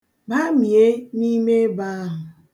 Bamie n'ime ebe ahụ.